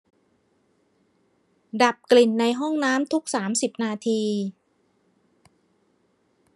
ดับกลิ่นในห้องน้ำทุกสามสิบนาที